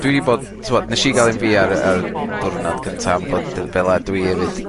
dwi 'di bod, t'mod nesh i ga'l un fi ar y ar y diwrnod cynta am fod dy- fela dwi efyd